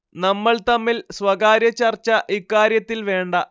നമ്മൾ തമ്മിൽ സ്വകാര്യ ചർച്ച ഇക്കാര്യത്തിൽ വേണ്ട